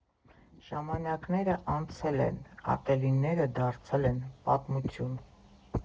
Ժամանակները անցել են, ատելյեները դարձել պատմություն։